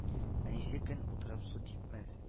Әнисе, көн утырып су типмәс